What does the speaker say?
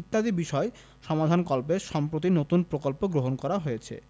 ইত্যাদি বিষয় সমাধানকল্পে সম্প্রতি নতুন প্রকল্প গ্রহণ করেছে